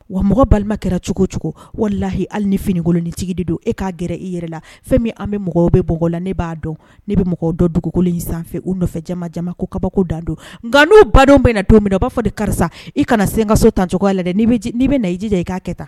Wa mɔgɔ balima kɛra cogo cogo walimahi hali ni finikolon ni tigi de don e k'a g i yɛrɛ la fɛn min an bɛ mɔgɔ bɛ bɔ la ne b'a dɔn n'i bɛ mɔgɔw dɔn dugukolo in sanfɛ u nɔfɛ jamaja ko kabako dan don nka n'o badenw bɛ na don minɛ na u b'a fɔ de karisa i kana na sen ka so tancogo la dɛ'i bɛ na i jija i k'a kɛ taa